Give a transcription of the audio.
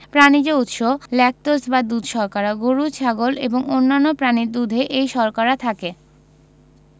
প্রানিজ উৎস ল্যাকটোজ বা দুধ শর্করা গরু ছাগল এবং অন্যান্য প্রাণীর দুধে এই শর্করা থাকে